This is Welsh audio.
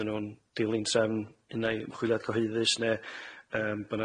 fydden n'w'n dilyn trefn unai ymchwiliad cyhoeddus ne' yym bo'